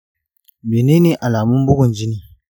menene alamun bugun jini?